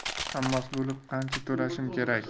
hammasi bo'lib qancha to'lashim kerak